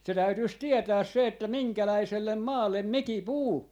se täytyisi tietää se että minkälaiselle maalle mikin puu